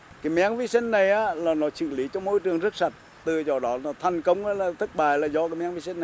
cái men vi sinh này á là nó xử lý trong môi trường rất sạch từ do đó là thành công hay thất bại là do men vi sinh